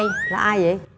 là ai dậy